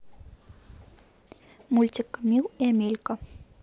мультик камил и амелька